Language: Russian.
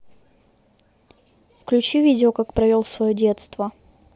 включи видео как провел свое детство